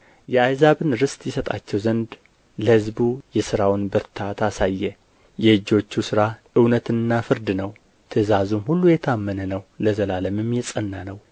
የአሕዛብን ርስት ይሰጣቸው ዘንድ ለሕዝቡ የሥራውን ብርታት አሳየ የእጆቹ ሥራ እውነትና ፍርድ ነው ትእዛዙም ሁሉ የታመነ ነው ለዘላለምም የጸና ነው